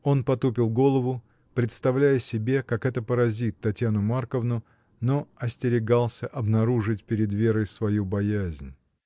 Он потупил голову, представляя себе, как это поразит Татьяну Марковну, но остерегался обнаружить перед Верой свою боязнь.